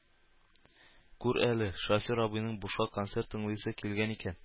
Күр әле, шофер абыйның бушка концерт тыңлыйсы килгән икән